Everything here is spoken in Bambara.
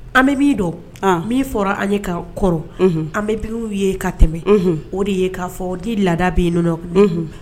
An bɛ min dɔn. .An! Min fɔra an ye ka kɔrɔ. Unhun! An bɛ ye ka tɛmɛ. Unhun! O de ye ka fɔ thé laada bɛ yen nɔ. Unhun!